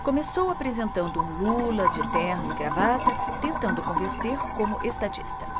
começou apresentando um lula de terno e gravata tentando convencer como estadista